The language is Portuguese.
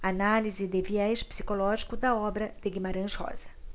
análise de viés psicológico da obra de guimarães rosa